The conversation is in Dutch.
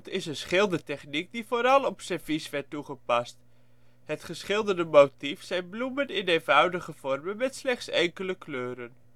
is een schildertechniek die vooral op servies werd toegepast. Het geschilderde motief zijn bloemen in eenvoudige vormen met slechts enkele kleuren